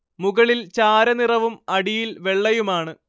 മുകളിൽ ചാര നിറവും അടിയിൽ വെള്ളയുമാണ്